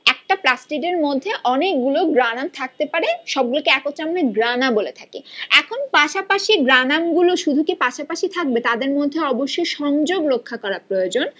একটা প্লাস্টিড এর মধ্যে অনেক গুলো গ্রানাম থাকতে পারে সব গুলোকে একত্রে আমরা গ্রানা বলে থাকি এখন পাশাপাশি গ্রানাম গুলো শুধু কি পাশাপাশি থাকবে তাদের মধ্যে অবশ্যই সংযোগ রক্ষা করা প্রয়োজন